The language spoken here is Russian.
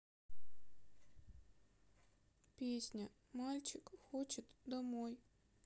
песня мальчик хочет домой